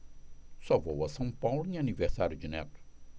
só vou a são paulo em aniversário de neto